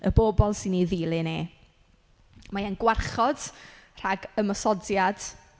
Y bobl sy'n ei ddilyn e. Mae e'n gwarchod rhag ymosodiad.